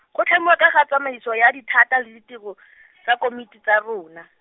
go tlhamiwa kagatsamaiso ya dithata le ditiro , tsa komiti tsa rona.